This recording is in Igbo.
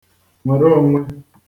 nwèrè onwe